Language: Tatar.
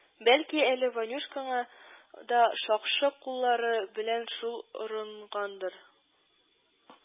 Бәлки әле Ваңюшкаңа да шакшы куллары белән шул орынгандыр